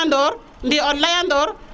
ndi o leya ndoor